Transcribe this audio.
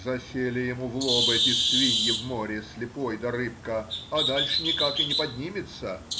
Засели ему в лоб эти свиньи в море, слепой да рыбка, а дальше никак и не поднимется.